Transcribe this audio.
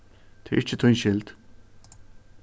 tað er ikki tín skyld